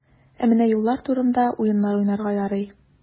Ә менә юллар турында уеннар уйнарга ярый.